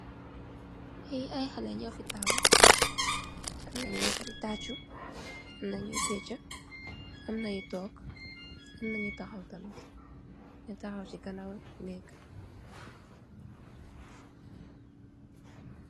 Fee iy haly yuufe tahew, amna yug tuk amna yug tahew tamit si ganaw negak.